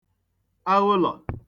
aghụlọ̀